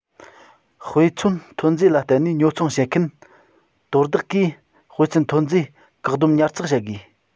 དཔེ མཚོན ཐོན རྫས ལ བརྟེན ནས ཉོ ཚོང བྱེད མཁན དོ བདག གིས དཔེ མཚོན ཐོན རྫས བཀག སྡོམ ཉར ཚགས བྱ དགོས